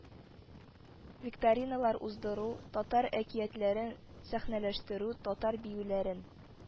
Викториналар уздыру; татар əкиятлəрен сəхнəлəштерү, татар биюлəрен